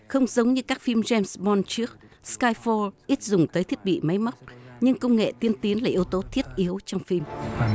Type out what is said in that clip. không giống như các phim rêm bon trước sờ kai phô ít dùng tới thiết bị máy móc nhưng công nghệ tiên tiến là yếu tố thiết yếu trong phim